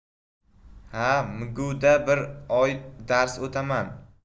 ha mguda bir oy dars o'taman